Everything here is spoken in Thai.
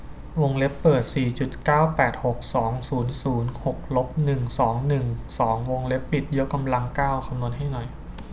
วงเล็บเปิดสี่จุดเก้าแปดหกสองศูนย์ศูนย์หกลบหนึ่งสองหนึ่งสองวงเล็บปิดยกกำลังเก้าคำนวณให้หน่อย